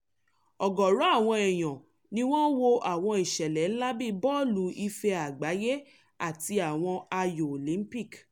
Ọ̀gọ̀ọ̀rọ̀ àwọn èèyàn ni wọ́n ń wo àwọn ìṣẹ̀lẹ̀ ńlá bíi Bọ́ọ̀lù Ife Àgbáyé àbí àwọn Ayò Olympic.